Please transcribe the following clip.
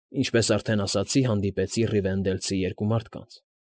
Ինչպես արդեն ասացի, հանդիպեցի ռիվենդելցի երկու մարդկանց։